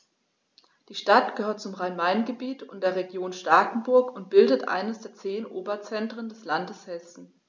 Die Stadt gehört zum Rhein-Main-Gebiet und der Region Starkenburg und bildet eines der zehn Oberzentren des Landes Hessen.